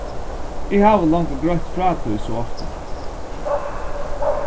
eg havi longu greitt frá tí so ofta